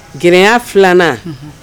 Grinya filanan